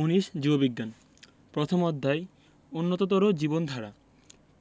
১৯ জীববিজ্ঞান প্রথম অধ্যায় উন্নততর জীবনধারা